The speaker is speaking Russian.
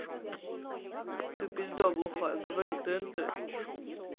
ты пизда глухая говорю тнт